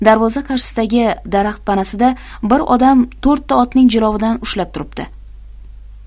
darvoza qarshisidagi daraxt panasida bir odam to'rtta otning jilovidan ushlab turibdi